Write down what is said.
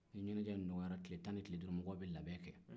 ni ɲɛnajɛ dɔgɔdara tile tan ni duuru mɔgɔw bɛ labɛn kɛ